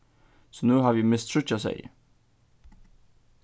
so nú havi eg mist tríggir seyðir